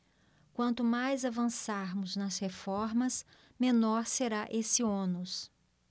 quanto mais avançarmos nas reformas menor será esse ônus